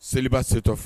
Seliba setɔ